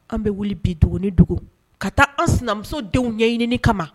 An bɛ wuli bi dogo ne dugu ka taa an sinamusodenw ɲɛɲini kama